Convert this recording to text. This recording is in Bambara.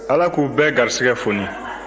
ala k'u bɛɛ garisɛgɛ foni